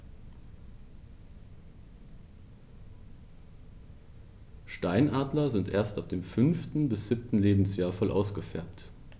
Steinadler sind erst ab dem 5. bis 7. Lebensjahr voll ausgefärbt.